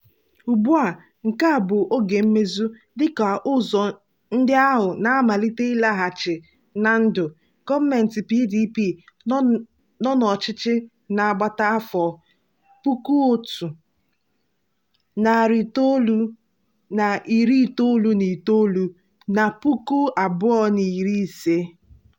Ugbu a, nke a bụ 'Oge Mmezu' dịka ụzọ ndị ahụ na-amalite ịlaghachi na ndụ.” Gọọmentị PDP nọ n'ọchịchị n'agbata afọ 1999 na 2015.